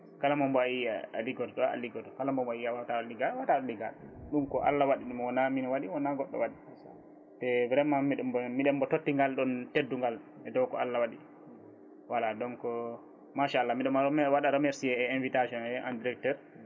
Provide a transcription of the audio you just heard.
kala mo owi a liggoto a liggoto kala mo wi a wawata liggade a wawata liggade ɗum ko Allah waɗanimo wona min waɗanimo wona goɗɗo waaɗi te vraiment mbiɗen mbo totti nal ɗon teddugal e dow ko Allah waɗi voilà donc machallah mbiɗo ma mbiɗo waɗa remercier e invitation he an directeur